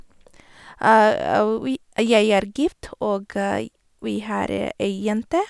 vi Jeg er gift, og j vi har ei jente.